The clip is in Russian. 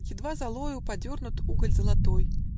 едва золою Подернут уголь золотой